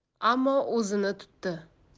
ammo o'zini tutdi